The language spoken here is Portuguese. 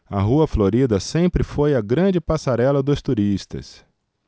a rua florida sempre foi a grande passarela dos turistas